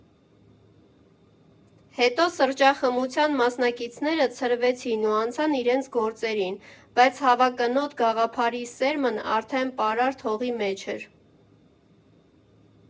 Հետո սրճախմության մասնակիցները ցրվեցին ու անցան իրենց գործերին, բայց հավակնոտ գաղափարի սերմն արդեն պարարտ հողի մեջ էր։